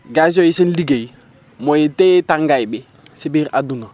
gaz yooyu seen liggéey mooy téye tàngaay bi si biir adduna